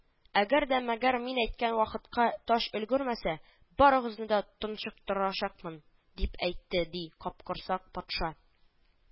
Әгәр дә мәгәр мин әйткән вакытка таҗ өлгермәсә, барыгызны да тончыктырачакмын, — дип әйтте, ди, Капкорсак патша